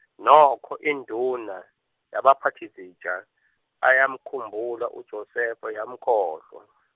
nokho induna, yabaphathizitsha, ayamkhumbula uJosefa yamkhohlwa.